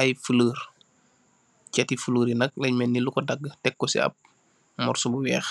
Aye foluur chate foluur ye nak len melne loku dage take ku se ab mursu bu weex